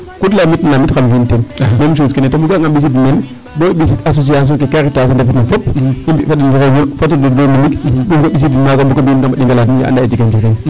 Ku ta lamitna lamit xam fi'in teen meme chose kene o ga'anga ɓisiidin meen bo i ɓisiid association ke Karitas a ndefna fop i mbi' fa den réunion fo tonton Dominique ande a jega njiriñ.